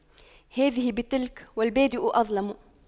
هذه بتلك والبادئ أظلم